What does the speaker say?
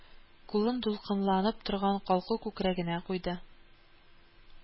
Кулын дулкынланып торган калку күкрәгенә куйды